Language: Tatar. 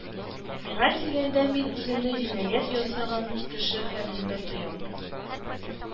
Миңа килгәндә, мин үземне җинаять ясаган кеше хәнендә тоям